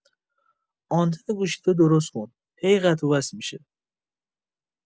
آنتن گوشیتو درست کن، هی قطع و وصل می‌شه.